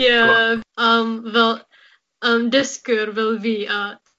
Ie am fel am dysgwyr fel fi a